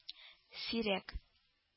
Сирәк